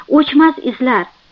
o'chmas izlar